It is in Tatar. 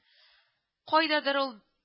Кайдадыр ул